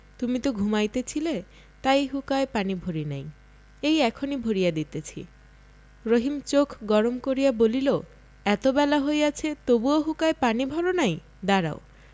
তুমি তো ঘুমাইতেছিলে তাই হুঁকায় পানি ভরি নাই এই এখনই ভরিয়া দিতেছি রহিম চোখ গরম করিয়া বলিল এত বেলা হইয়াছে তবু হুঁকায় পানির ভর নাই দাঁড়াও